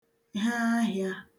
he ahịā